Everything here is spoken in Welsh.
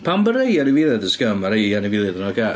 Pam bod rhai anifeiliaid yn scum, a rhai anifeiliaid yn ocê?